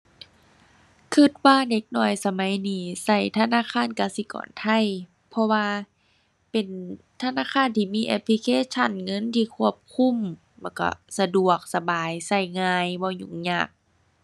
คิดว่าเด็กน้อยสมัยนี้คิดธนาคารกสิกรไทย เพราะว่า เป็นธนาคารที่มีแอปพลิเคชันเงินที่ควบคุม แล้วคิดสะดวกสบาย คิดง่าย บ่ยุ่งยาก